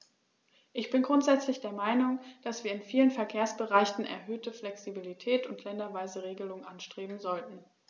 Ich bin grundsätzlich der Meinung, dass wir in vielen Verkehrsbereichen erhöhte Flexibilität und länderweise Regelungen anstreben sollten.